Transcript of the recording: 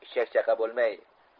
ichak chaqa bo'lmay